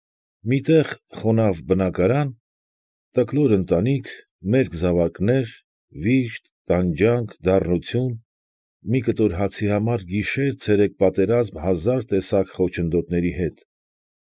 Մի տեղ խոնավ բնակարան, տկլոր ընտանիք, մերկ զավակներ, վիշտ, տանջանք, դառնություն, մի կտոր հացի համար գիշեր֊ցերեկ պատերազմ հազար տեսակ խոչընդոտների հետ,